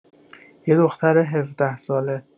یه دختر هفده‌ساله